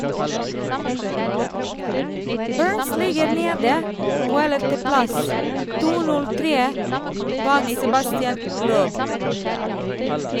Burns ligger nede på ellevteplass, 2.03 bak Sebastien Loeb.